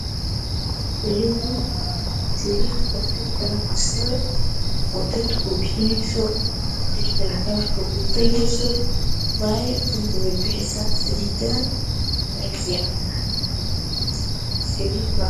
Saliid oo tinta lamarsado oon tinta kuu bixinayso oo tinta ilaa dhabrka kuu tagayso waye tinta way bixisaa saliidan wayna fiicantahay